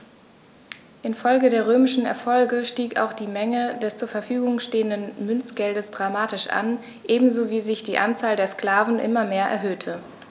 Infolge der römischen Erfolge stieg auch die Menge des zur Verfügung stehenden Münzgeldes dramatisch an, ebenso wie sich die Anzahl der Sklaven immer mehr erhöhte.